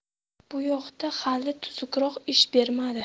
bu yoqda hali tuzukroq ish bermadi